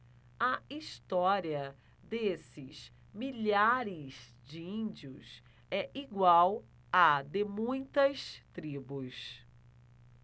a história desses milhares de índios é igual à de muitas tribos